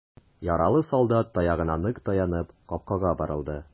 Яралы солдат, таягына нык таянып, капкага таба борылды.